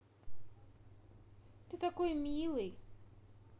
ты такой милый